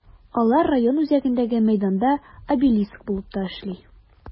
Алар район үзәгендәге мәйданда обелиск булып та яши.